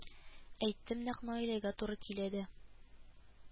Әйтем нәкъ наиләгә туры килә дә